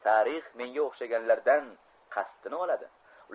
tarix menga o'xshaganlardan qasdini oladi